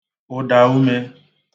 ̀ụ̀daume